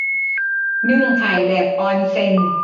นึ่งไข่แบบออนเซ็น